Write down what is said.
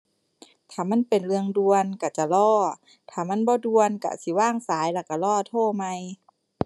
ถ้ามันเป็นเรื่องด่วนก็จะรอ ถ้ามันบ่ด่วนก็อาจสิวางสายแล้วก็รอโทรใหม่